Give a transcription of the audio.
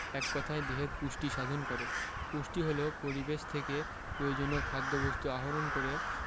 এক কথায় দেহের পুষ্টি সাধন করে পুষ্টি হলো পরিবেশ থেকে প্রয়োজনীয় খাদ্যবস্তু আহরণ করে